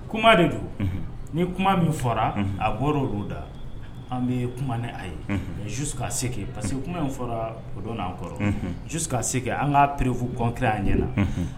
Kuma de do ni kuma min fɔra a bɔra olu da an bɛ kuma ni a ye mais jusqu'à ce que parce que kuma in fɔra o don na an kɔrɔ jusqu'à ce que an ka preuve concrete ye an ɲɛ na.